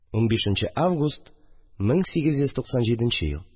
15 нче август 1897 ел